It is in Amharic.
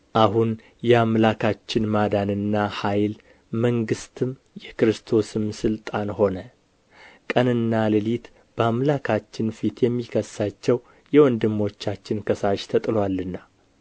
አሁን የአምላካችን ማዳንና ኃይል መንግሥትም የክርስቶስም ሥልጣን ሆነ ቀንና ሌሊትም በአምላካችን ፊት የሚከሳቸው የወንድሞቻችን ከሳሽ ተጥሎአልና